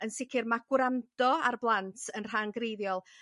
yn sicr ma' gwrando a'r blant yn rhan greiddiol